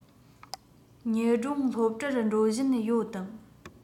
ཉི སྒྲོན སློབ གྲྭར འགྲོ བཞིན ཡོད དམ